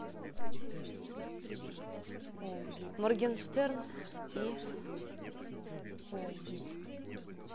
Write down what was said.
моргенштерн и